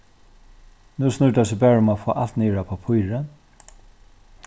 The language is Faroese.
nú snýr tað seg bara um at fáa alt niður á pappírið